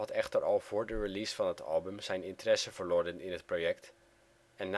echter al voor de release van het album zijn interesse verloren in het project en